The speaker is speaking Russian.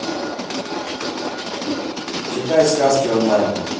читать сказки онлайн